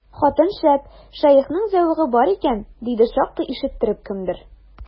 Хатын шәп, шәехнең зәвыгы бар икән, диде шактый ишеттереп кемдер.